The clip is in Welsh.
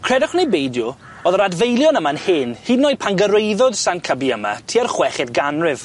Credwch neu beidio o'dd yr adfeilion yma'n hen hyd yn oed pan gyrraeddodd Sant Cybi yma tua'r chweched ganrif.